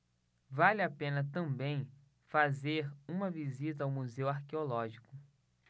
vale a pena também fazer uma visita ao museu arqueológico